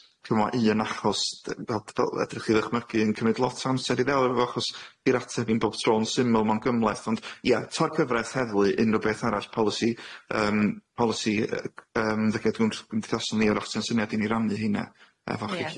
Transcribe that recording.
chi mo' un achos d- fel d- fel fedrwch chi ddychmygu yn cymyd lot o amser i ddelio efo fo, chos 'di'r ateb 'im bob tro'n syml, ma'n gymhleth. Ond ia tor gyfreth, heddlu, unrw beth arall polisi yym polisi yy g- ymddygiad gwrthgymdeithasol ni. A wrach se'n syniad i ni rannu heina efo... Ia... chi lly.